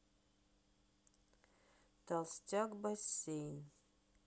толстяк бассейн